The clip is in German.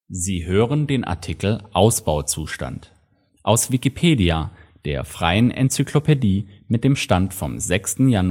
Sie hören den Artikel Ausbauzustand, aus Wikipedia, der freien Enzyklopädie. Mit dem Stand vom Der